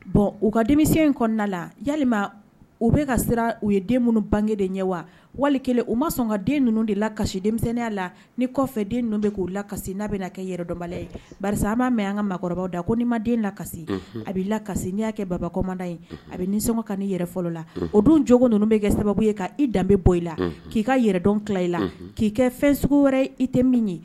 Bon u ka denmisɛnnin in kɔnɔna la ya u bɛ ka siran u ye den minnu bange de ye wa wali kelen u ma sɔn ka den ninnu de la kasi denmisɛnninya la ni den bɛ k'u laka n'a bɛ kɛ yɛrɛdɔba ye basi an b'a mɛ an ka maakɔrɔba da ko n'i ma den la kasi a bɛ' laka n'i y'a babakomada ye a bɛ soma ka ni yɛrɛ fɔlɔ la o don jogo ninnu bɛ kɛ sababu ye' i danbebe bɔ i la k'i ka yɛrɛdɔn tila i la k'i kɛ fɛn sugu wɛrɛ i tɛ min ye